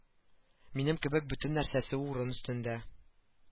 Минем кебек бөтен нәрсәсе урын өстендә